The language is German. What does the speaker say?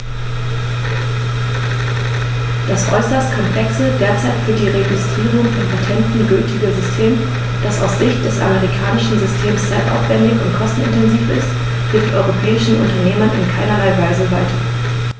Das äußerst komplexe, derzeit für die Registrierung von Patenten gültige System, das aus Sicht des amerikanischen Systems zeitaufwändig und kostenintensiv ist, hilft europäischen Unternehmern in keinerlei Weise weiter.